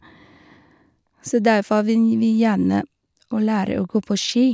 Så derfor vil vi gjerne å lære å gå på ski.